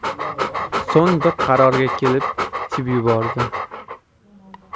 so'ng bir qarorga kelib ichib yubordi